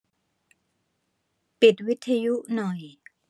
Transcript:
ปิดวิทยุหน่อย